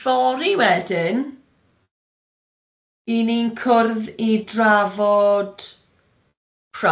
Fory wedyn, i' ni'n cwrdd i drafod pride.